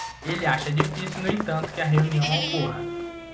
ele acha difícil no entanto que a reunião ocorra